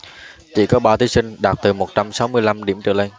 chỉ có ba thí sinh đạt từ một trăm sáu mươi lăm điểm trở lên